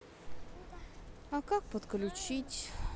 а как подключить